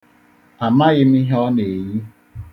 Amaghị m ihe ọ na-eyi.